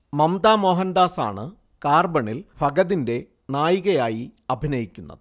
മംമ്ത മോഹൻദാസാണ് കാർബണിൽ ഫഹദിന്റെ നായികയായി അഭിനയിക്കുന്നത്